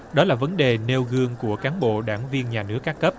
đó là vấn đề nêu gương của cán bộ đảng viên nhà nước các cấp